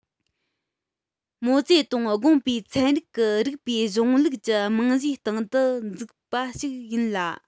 མའོ ཙེ ཏུང དགོངས པའི ཚན རིག གི རིགས པའི གཞུང ལུགས ཀྱི རྨང གཞིའི སྟེང དུ བཙུགས པ ཞིག ཡིན ལ